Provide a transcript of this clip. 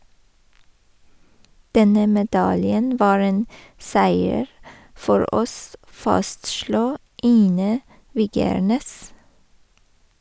Denne medaljen var en seier for oss , fastslo Ine Wigernæs.